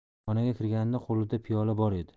xonaga kirganida qo'lida piyola bor edi